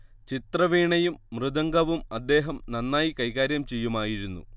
ചിത്രവീണയും മൃദംഗവും അദ്ദേഹം നന്നായി കൈകാര്യം ചെയ്യുമായിരുന്നു